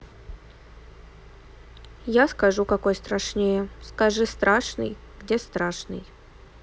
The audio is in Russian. я скажу какой страшнее скажи страшный где страшный